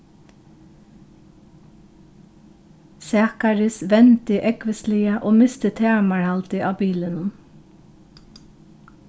sakaris vendi ógvusliga og misti tamarhaldið á bilinum